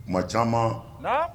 Kuma caman